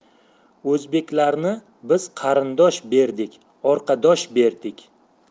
o'zbeklarni biz qarindosh derdik orqadosh derdik